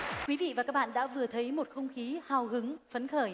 quý vị và các bạn đã vừa thấy một không khí hào hứng phấn khởi